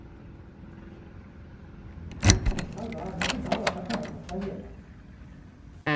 ага накидала такая то советов